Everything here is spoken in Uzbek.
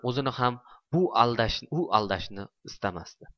o'zini ham u aldashni istamasdi